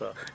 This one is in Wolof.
waa